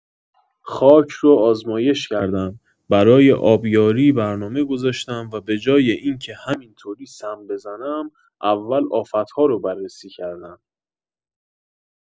خاک رو آزمایش کردم، برای آبیاری برنامه گذاشتم و به‌جای اینکه همین‌طوری سم بزنم، اول آفت‌ها رو بررسی کردم.